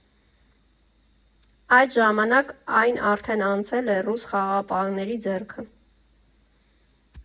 Այդ ժամանակ այն արդեն անցել էր ռուս խաղաղապահների ձեռքը։